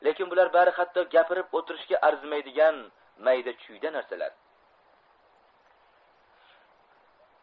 lekin bular bari hatto gapirib o'tirishga arzimaydigan mayda chuyda narsalar